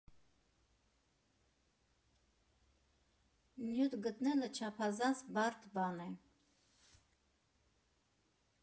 «Նյութ գտնելը չափազանց բարդ բան է։